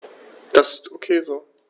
Das ist ok so.